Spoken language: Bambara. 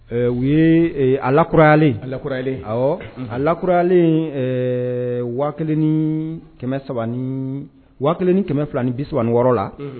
Ɛ u ye ɛ a lakurayali, a lakurayali awɔ a lakuralen ɛɛ 6360F la, unhun